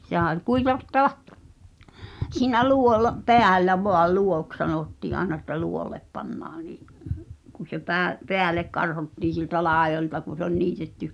sehän oli - kuivattava siinä - päällä vain luo'oksi sanottiin aina että luo'olle pannaan niin kun se - päälle karhottiin sieltä laidoilta kun se oli niitetty